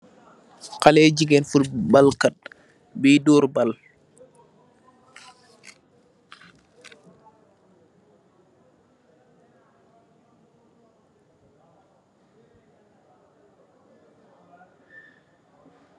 Khaleeh jigain football kat, biy doar ball.